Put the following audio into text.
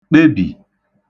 kpebì